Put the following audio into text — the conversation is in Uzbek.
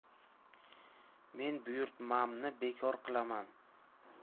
men buyurtmamni ber qilaman